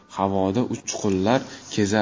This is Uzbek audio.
havoda uchqunlar kezar